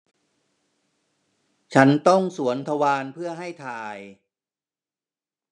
ฉันต้องสวนทวารเพื่อให้ถ่าย